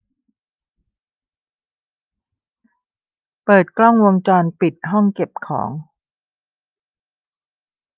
เปิดกล้องวงจรปิดห้องเก็บของ